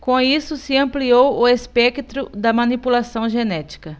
com isso se ampliou o espectro da manipulação genética